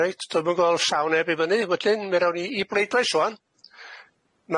Reit dwi'm yn gweld sawl neb i fyny wedyn mi rawn ni i bleidlais ŵan.